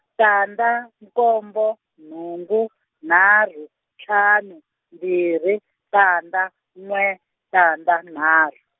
tandza nkombo nhungu nharhu ntlhanu mbirhi tandza n'we tandza nharhu.